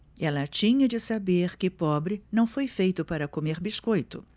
ela tinha de saber que pobre não foi feito para comer biscoito